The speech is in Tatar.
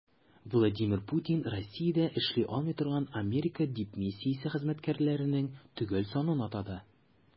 Владимир Путин Россиядә эшли алмый торган Америка дипмиссиясе хезмәткәрләренең төгәл санын атады.